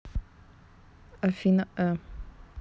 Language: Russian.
афина э